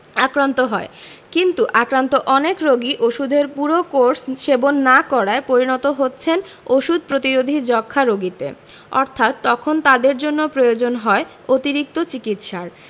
আক্রান্ত হয় কিন্তু আক্রান্ত অনেক রোগী ওষুধের পুরো কোর্স সেবন না করায় পরিণত হচ্ছেন ওষুধ প্রতিরোধী যক্ষ্মা রোগীতে অর্থাৎ তখন তাদের জন্য প্রয়োজন হয় অতিরিক্ত চিকিৎসার